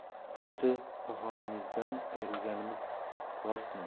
pushti panohimizdan ayrilganimiz rostmi